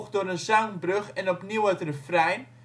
door een zangbrug en opnieuw het refrein